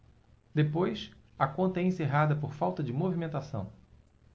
depois a conta é encerrada por falta de movimentação